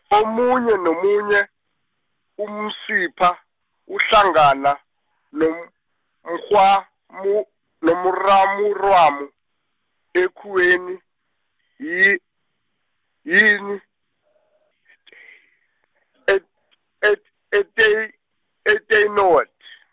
omunye nomunye, umsipha, uhlangana, nom- -mrhwamu nomramurwamu, ekhuweni, yi yini et- et- eteyi- artytenoid.